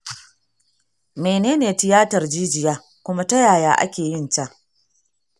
menene tiyatar jijiya kuma ta yaya ake yin ta?